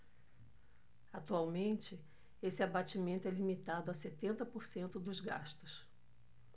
atualmente esse abatimento é limitado a setenta por cento dos gastos